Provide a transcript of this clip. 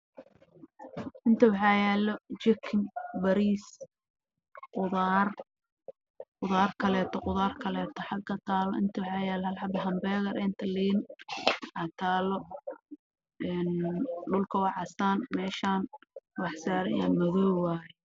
Meeshaan waxaa yaalo jikin, bariis iyo qudaar